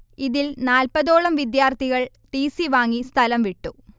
ഇതിൽ നാല്പതോളം വിദ്യാർത്ഥികൾ ടി സി വാങ്ങി സ്ഥലം വിട്ടു